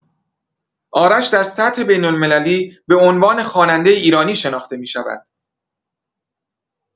آرش در سطح بین‌المللی به عنوان خواننده ایرانی شناخته می‌شود.